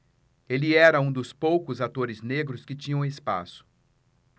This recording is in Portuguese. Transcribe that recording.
ele era um dos poucos atores negros que tinham espaço